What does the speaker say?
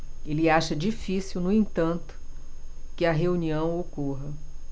ele acha difícil no entanto que a reunião ocorra